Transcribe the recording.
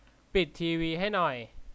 ปิดทีวีให้หน่อย